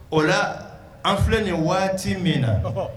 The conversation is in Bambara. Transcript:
O la an filɛ nin ye waati min na!